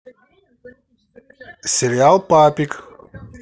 сериал папик